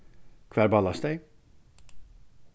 hvar ballast tey